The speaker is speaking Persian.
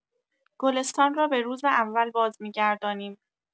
گلستان را به‌روز اول بازمی‌گردانیم.